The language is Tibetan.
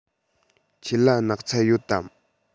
ཁྱེད ལ སྣག ཚ ཡོད དམ